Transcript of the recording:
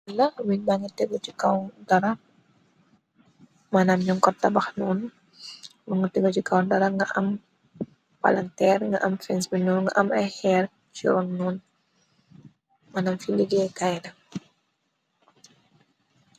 La wig bànga tego ci kaw dara mënam ñu kottabax nuun mu nga tego ci kaw dara nga am palanteer nga am fins bi nuur nga am ay xeer ciroonnoon mënam fi liggée kayna.